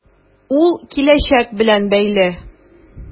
Ул киләчәк белән бәйле.